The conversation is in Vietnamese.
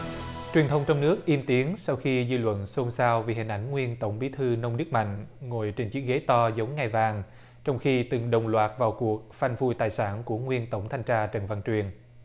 truyền thông trong nước im tiếng sau khi dư luận xôn xao vì hình ảnh nguyên tổng bí thư nông đức mạnh ngồi trên chiếc ghế to giống ngai vàng trong khi từng đồng loạt vào cuộc phanh phui tài sản của nguyên tổng thanh tra trần văn truyền